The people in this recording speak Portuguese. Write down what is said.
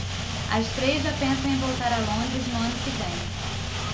as três já pensam em voltar a londres no ano que vem